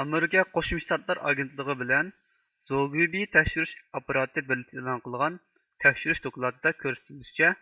ئامېرىكا قوشما شتاتلار ئاگېنتلىقى بىلەن زوگبىي تەكشۈرۈش ئاپپاراتى بىرلىكتە ئېلان قىلغان تەكشۈرۈش دوكلاتىدا كۆرسىتىلىشىچە